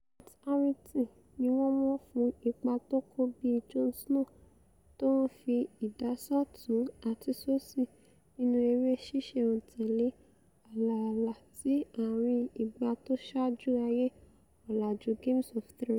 Kit Harrington níwọ́n mọ̀ fún ipa tókó bíi Jon Snow tó ńfi idà sọ́ọ̀tún àti sósì nínú eré ṣíṣẹ̀-n-tẹ̀lé aláàlá ti ààrin ìgbà tósaáju ayé ọ̀lájú Games of Thrones.